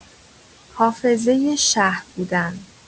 حافظۀ شهر بودن.